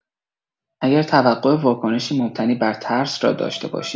اگر توقع واکنشی مبتنی بر ترس را داشته باشید.